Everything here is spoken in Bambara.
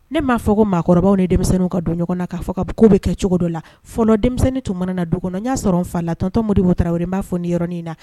Ne m'a fɔ ko maakɔrɔba ni denmisɛnninw ka don ɲɔgɔn na'a fɔ ka ko bɛ kɛ cogo dɔ la fɔlɔ denmisɛnnin tun mana na du kɔnɔ na n y'a sɔrɔ fa latɔnmo de bɔta in b'a fɔ ni yɔrɔ in na